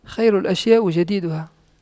خير الأشياء جديدها